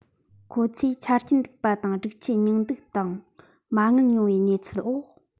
ཁོ ཚོས ཆ རྐྱེན སྡུག པ དང སྒྲིག ཆས རྙིང སྡུག དང མ དངུལ ཉུང བའི གནས ཚུལ འོག